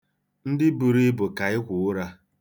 Ndị buru ibu ka ekwo ụra.